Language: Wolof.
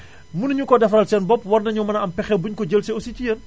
mënuñu ko defaral seen bopp war nañu mën a am pexe buñu ko jël see aussi ci yéen